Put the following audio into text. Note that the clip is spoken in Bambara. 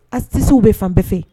Astuces w bɛ fan bɛɛ fɛ